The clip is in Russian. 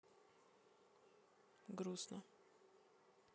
грустно